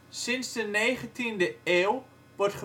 Sinds de 19e eeuw wordt gebruikgemaakt